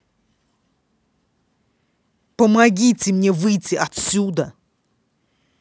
помогите мне выйти отсюда